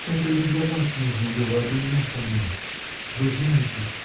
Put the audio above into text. Это не для вас нужно было, а для меня самой. Вы знаете.